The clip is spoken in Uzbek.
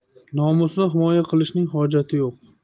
nomusni himoya qilishning hojati yo'q